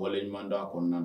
Wale ɲuman da a kɔnɔna